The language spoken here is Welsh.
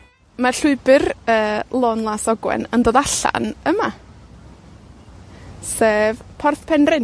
Mae'r llwybr, yy, Lôn Las Ogwen, yn dod allan yma. Sef Porth Penrhyn.